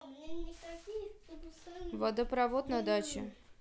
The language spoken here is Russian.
водопровод на даче